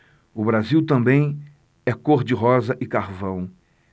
o brasil também é cor de rosa e carvão